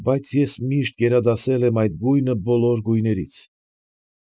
Բայց ես միշտ գերադասել եմ այս գույնը բոլոր գույներից։